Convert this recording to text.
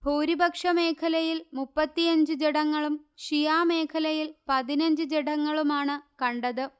ഭൂരിപക്ഷ മേഖലയിൽ മുപ്പത്തിയഞ്ച് ജഡങ്ങളും ഷിയാമേഖലയിൽ പതിനഞ്ച് ജഡങ്ങളുമാണു കണ്ടത്